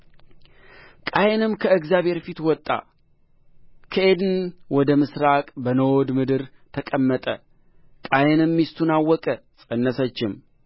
ቃየንም ከእግዚአብሔር ፊት ወጣ ከዔድንም ወደ ምሥራቅ በኖድ ምድር ተቀመጠ ቃየንም ሚስቱን አወቀ ፀነሰችም